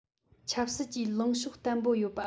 ཆབ སྲིད ཀྱི ལངས ཕྱོགས བརྟན པོ ཡོད པ